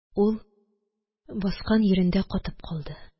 Ул баскан йирендә катып калды